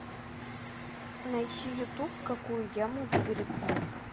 найти ютуб какую яму выберет нуб